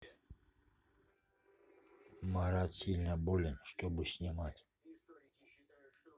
марат сильно болен что можно снимать